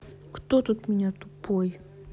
кто тут меня тупой